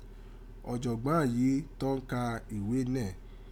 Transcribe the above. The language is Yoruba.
Ọ̀jọ̀gbán yi tọ́n kà ìwé nẹ́ẹ̀.